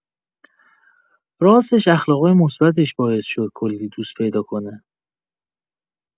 راستش اخلاقای مثبتش باعث شد کلی دوست پیدا کنه.